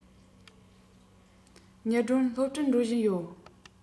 ཉི སྒྲོན སློབ གྲྭར འགྲོ བཞིན ཡོད